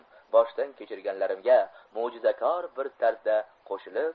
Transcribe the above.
boshdan kechirganlarimga mo'jizakor bir tarzda qo'shilib